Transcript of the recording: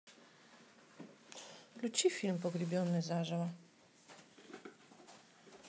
включи фильм погребенные заживо